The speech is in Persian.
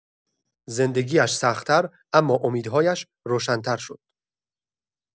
زندگی‌اش سخت‌تر، اما امیدهایش روشن‌تر شد.